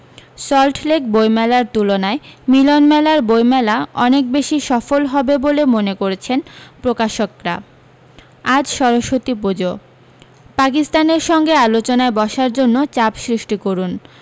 সল্টলেক বৈমেলার তুলনায় মিলনমেলার বৈমেলা অনেক বেশী সফল হবে বলে মনে করছেন প্রকাশকরা আজ সরস্বতী পূজো পাকিস্তানের সঙ্গে আলোচনায় বসার জন্য চাপ সৃষ্টি করুণ